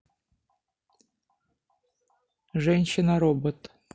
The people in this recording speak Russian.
женщина робот